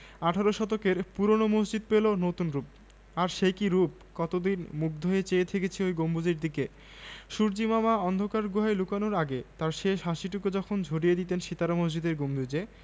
আঠারো শতকের পুরোনো মসজিদ পেলো নতুন রুপ আর সে কি রুপ কতদিন মুগ্ধ হয়ে চেয়ে থেকেছি ঐ গম্বুজের দিকে সূর্য্যিমামা অন্ধকার গুহায় লুকানোর আগে তাঁর শেষ হাসিটুকু যখন ঝরিয়ে দিতেন সিতারা মসজিদের গম্বুজে